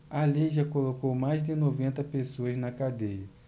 a lei já colocou mais de noventa pessoas na cadeia